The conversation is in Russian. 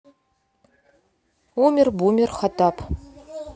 умер бумер хоттаб